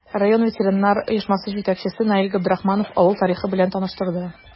Район ветераннар оешмасы җитәкчесе Наил Габдрахманов авыл тарихы белән таныштырды.